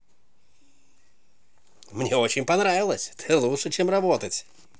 мне очень понравилось ты лучше чем работать